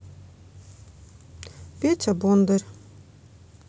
петя бондарь